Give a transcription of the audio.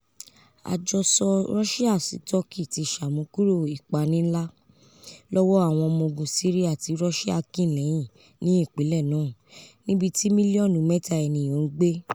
Ajọsọ Ruṣia-Tọki ti ṣamukúrò ipani nla lọwọ awọn ọmọ ogun Siria ti Ruṣia kin lẹhin ni ipinlẹ naa, nibiti milionu meta eniyan n gbe.